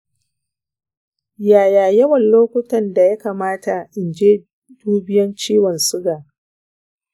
ya yawan lokutan da yakamata inje dubiyan ciwon siga?